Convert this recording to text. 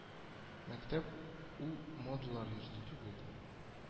Мәктәп ул модалар йорты түгел